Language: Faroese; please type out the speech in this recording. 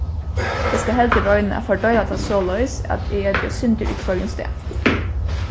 eg skal heldur royna at fordeila tað soleiðis at eg eti eitt sindur í hvørjum stað